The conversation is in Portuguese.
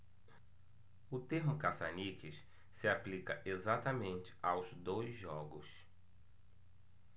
o termo caça-níqueis se aplica exatamente aos dois jogos